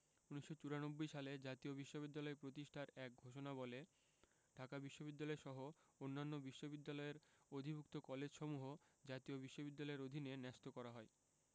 ১৯৯৪ সালে জাতীয় বিশ্ববিদ্যালয় প্রতিষ্ঠার এক ঘোষণাবলে ঢাকা বিশ্ববিদ্যালয়সহ অন্যান্য বিশ্ববিদ্যালয়ের অধিভুক্ত কলেজসমূহ জাতীয় বিশ্ববিদ্যালয়ের অধীনে ন্যস্ত করা হয়